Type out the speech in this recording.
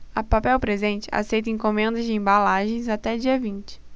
a papel presente aceita encomendas de embalagens até dia vinte